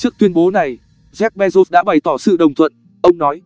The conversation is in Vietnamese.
trước tuyên bố này jeff bezos đã bày tỏ sự đồng thuận ông nói